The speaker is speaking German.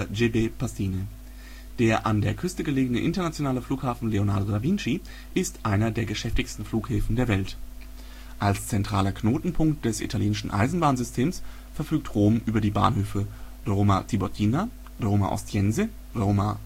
G.B. Pastine). Der an der Küste gelegene internationale Flughafen Leonardo da Vinci ist einer der geschäftigsten Flughäfen der Welt. Als zentraler Knotenpunkt des italienischen Eisenbahnsystems verfügt Rom über die Bahnhöfe Roma Tiburtina, Roma Ostiense, Roma